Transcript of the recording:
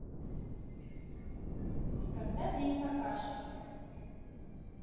когда день какашек